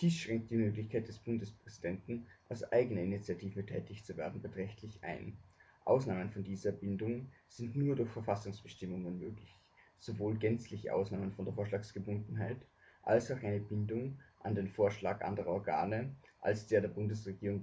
Dies schränkt die Möglichkeit des Bundespräsidenten, aus eigener Initiative tätig zu werden, beträchtlich ein. Ausnahmen von dieser Bindung sind nur durch Verfassungsbestimmungen möglich (sowohl gänzliche Ausnahmen von der Vorschlagsgebundenheit als auch eine Bindung an den Vorschlag anderer Organe als der Bundesregierung